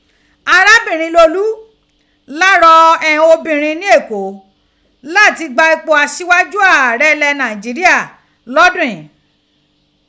Arabinrin Lolú la rọ ighan obinrin ni Èkó lati gba ipo aṣighaju aarẹ ilẹ Nàìjíríà lọdun ghin.